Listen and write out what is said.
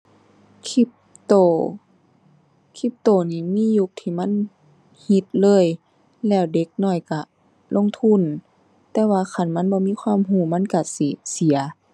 คริปโต คริปโตนี่มียุคที่มันฮิตเลย แล้วเด็กน้อยก็ลงทุน แต่ว่าคันมันบ่มีความก็มันก็สิเสีย